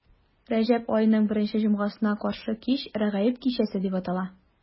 Рәҗәб аеның беренче җомгасына каршы кич Рәгаиб кичәсе дип атала.